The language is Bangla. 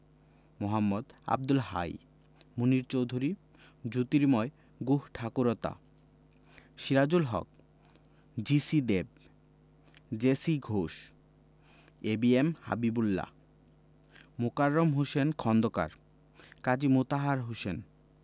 Md Abdul Hai Munier Chowdhury Jyotirmoy Guhathakurta Sirajul Haque G C Dev J C Ghosh A B M Habibullah Mokarram Hossain Khondkar Kazi Motahar Hossain